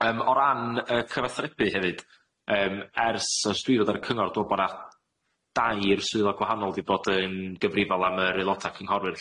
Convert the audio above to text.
Yym o ran y cyfathrebu hefyd, yym ers ys dwi 'di bod ar y cyngor, dwi me'wl bo' na dair swyddog gwahanol 'di bod yn gyfrifol am yr aeloda cynghorwyr lly.